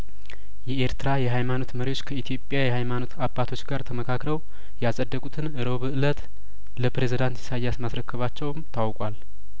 የኤርትራ የሀይማኖት መሪዎች ከኢትዮጵያ የሀይማኖት አባቶች ጋር ተመካ ክረው ያጸደቁትን ረቡእ እለት ለፕሬዝዳንት ኢሳያስ ማስረከባቸውም ታውቋል